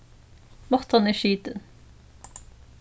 mottan er skitin